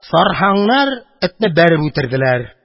Сәрһаңнәр этне бәреп үтерделәр.